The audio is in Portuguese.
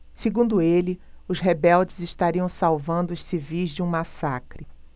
segundo ele os rebeldes estariam salvando os civis de um massacre